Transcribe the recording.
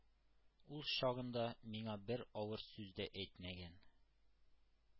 Ул чагында миңа бер авыр сүз дә әйтмәгән...